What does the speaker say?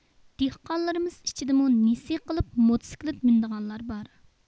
دېھقانلىرىمىز ئىچىدىمۇ نېسى قىلىپ موتسىكلىت مىنىدىغانلار بار